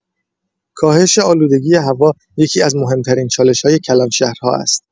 کاهش آلودگی هوا یکی‌از مهم‌ترین چالش‌های کلان‌شهرها است.